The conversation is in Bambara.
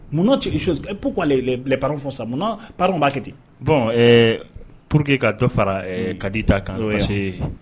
Muna quelque chose pourquoi les parents font ça muna parent b'a kɛ ten bon pour que ka dɔ fara kadi ta kan, ouais parce que